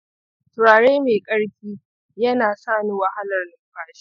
turare mai ƙarfi yana sa ni wahalar numfashi.